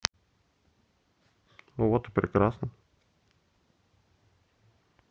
вот и прекрасно